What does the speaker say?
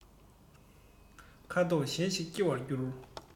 ཁ དོག གཞན ཞིག སྐྱེ བར འགྱུར